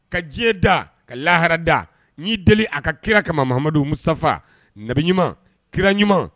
Ka diɲɛ da ka lahara da n'i deli a ka kira kamamadu mussafa na ɲuman kira ɲuman